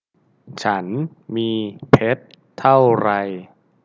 ฉันมีเพชรเท่าไร